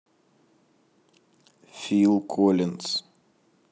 фил коллинз